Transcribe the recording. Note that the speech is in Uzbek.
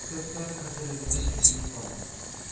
tursa qizilo'ngach kuyib qolmas